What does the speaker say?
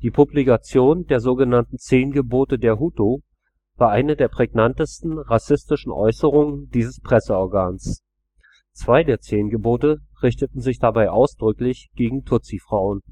Publikation der so genannten „ Zehn Gebote der Hutu “war eine der prägnantesten rassistischen Äußerungen dieses Presseorgans. Zwei der zehn Gebote richteten sich dabei ausdrücklich gegen Tutsi-Frauen